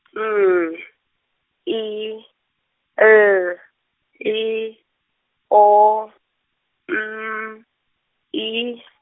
M I L I O N I.